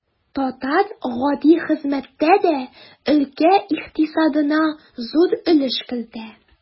Татар гади хезмәттә дә өлкә икътисадына зур өлеш кертә.